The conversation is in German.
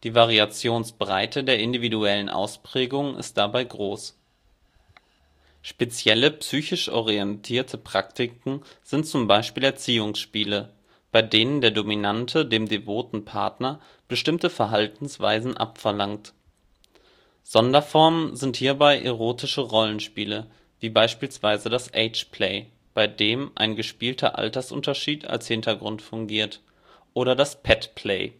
Variationsbreite der individuellen Ausprägungen ist dabei groß. Speziell psychisch orientierte Praktiken sind z. B. Erziehungsspiele, bei denen der dominante dem devoten Partner bestimmte Verhaltensweisen abverlangt. Sonderformen sind hierbei erotische Rollenspiele wie beispielsweise das Ageplay – bei dem ein gespielter Altersunterschied als Hintergrund fungiert – oder das Petplay